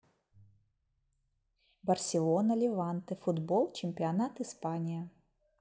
барселона леванте футбол чемпионат испания